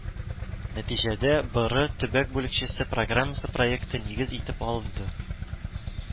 Нәтиҗәдә БэРэ төбәк бүлекчәсе программасы проекты нигез итеп алынды